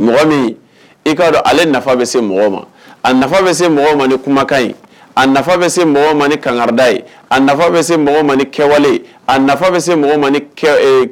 Mɔgɔ min i kaa dɔn ale nafa bɛ se mɔgɔ ma a nafa bɛ se mɔgɔ ma ni kumakan ye a nafa bɛ se mɔgɔ ma ni kangadaye a nafa bɛ se mɔgɔ ma ni kɛwale a nafa bɛ se